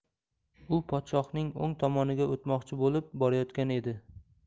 u podshohning o'ng tomoniga o'tmoqchi bo'lib borayotgan edi